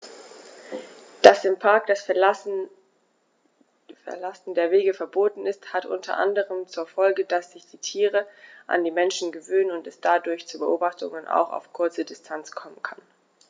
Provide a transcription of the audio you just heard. Dass im Park das Verlassen der Wege verboten ist, hat unter anderem zur Folge, dass sich die Tiere an die Menschen gewöhnen und es dadurch zu Beobachtungen auch auf kurze Distanz kommen kann.